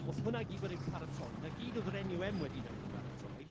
Oedd hwnna gyd wedi paratoi. 'na gyd oedd yr NUM wedi wneud i baratoi